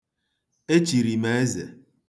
Echir m eze.